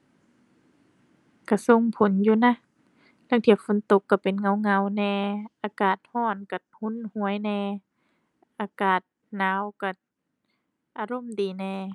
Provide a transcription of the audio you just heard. ก็ส่งผลอยู่นะ ลางเที่ยฝนตกก็เป็นเหงาเหงาแหน่ อากาศก็ก็หนหวยแหน่ อากาศหนาวก็อารมณ์ดีแหน่